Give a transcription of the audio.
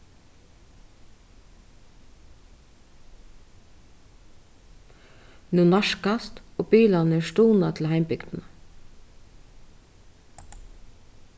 nú nærkast og bilarnir stuna til heimbygdina